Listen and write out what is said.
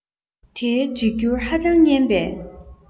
དེའི གྲེ འགྱུར ཧ ཅང སྙན པས